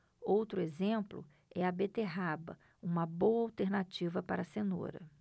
outro exemplo é a beterraba uma boa alternativa para a cenoura